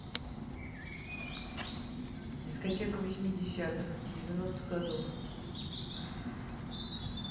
дискотека восьмидесятых девяностых годов